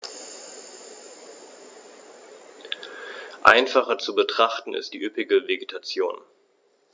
Einfacher zu betrachten ist die üppige Vegetation.